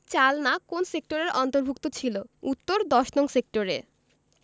চালনা কোন সেক্টরের অন্তভু র্ক্ত ছিল উত্তরঃ ১০নং সেক্টরে